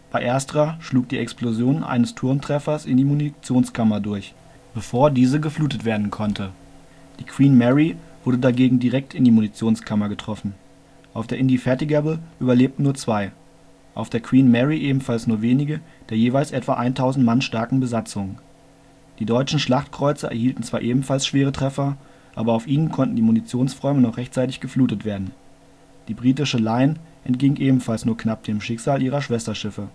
Bei ersterer schlug die Explosion eines Turmtreffers in die Munitionskammer durch, bevor diese geflutet werden konnte, Die Queen Mary wurde dagegen direkt in die Munitionskammer getroffen. Auf der Indefatigable überlebten nur zwei, auf der Queen Mary ebenfalls nur wenige der jeweils etwa 1000 Mann starken Besatzungen. Die deutschen Schlachtkreuzer erhielten zwar ebenfalls schwere Treffer, aber auf ihnen konnten die Munitionsräume noch rechtzeitig geflutet werden. Die britische Lion entging ebenfalls nur knapp dem Schicksal ihrer Schwesterschiffe